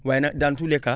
waaye nag dans topus les cas